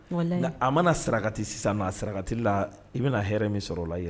A mana sarakati sisan a sarakati la i bɛna hɛrɛ min sɔrɔ o la yɛrɛ